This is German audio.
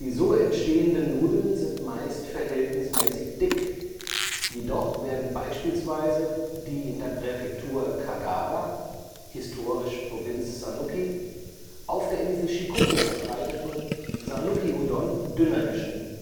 so entstehenden Nudeln sind meist verhältnismäßig dick, jedoch werden beispielsweise die in der Präfektur Kagawa (historisch: Provinz Sanuki) auf der Insel Shikoku verbreiteten „ Sanuki Udon “dünner geschnitten